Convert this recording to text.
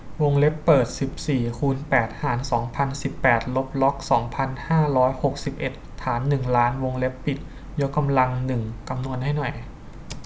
วงเล็บเปิดสิบสี่คูณแปดหารสองพันสิบแปดลบล็อกสองพันห้าร้อยหกสิบเอ็ดฐานหนึ่งล้านวงเล็บปิดยกกำลังหนึ่งคำนวณให้หน่อย